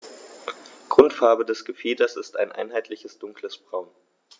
Grundfarbe des Gefieders ist ein einheitliches dunkles Braun.